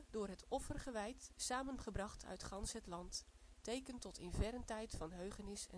door het offer gewijd, samengebracht uit gans het land, teken tot in verren tijd van heugenis